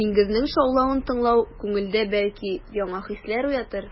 Диңгезнең шаулавын тыңлау күңелдә, бәлки, яңа хисләр уятыр.